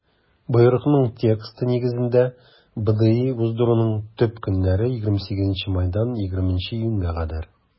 Боерыкның тексты нигезендә, БДИ уздыруның төп көннәре - 28 майдан 20 июньгә кадәр.